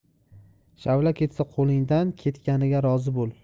shavla ketsa qo'lingdan ketganiga rozi bo'l